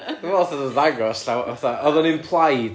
dwi'm yn meddwl nathon nhw ddangos llaw- fatha o'dd o'n implied.